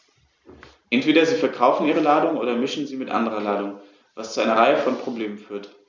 Entweder sie verkaufen ihre Ladung oder mischen sie mit anderer Ladung, was zu einer Reihe von Problemen führt.